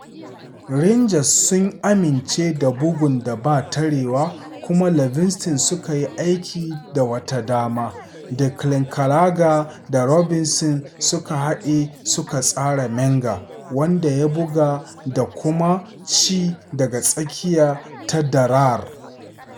Rangers sun amince da bugun da ba tarewa kuma Livingston suka yi aiki da wata dama, Declan Gallagher da Robinson suka haɗe suka tsara Menga, wanda ya buga da kuma ci daga tsakiya ta da'rar.